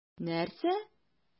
Нәрсә?!